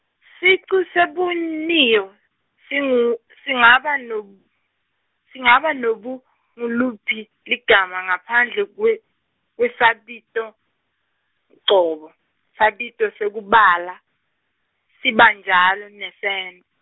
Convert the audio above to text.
sicu sebuniyo, singu- singaba nob- singaba nobe nguluphi ligama ngaphandle kwe- kwesabitocobo, sabito sekubala, sibanjalo nesen-.